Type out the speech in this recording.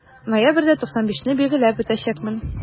Ноябрьдә 95 не билгеләп үтәчәкмен.